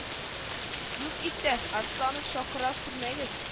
Юк иптәш арсланов чакыра күрмәгез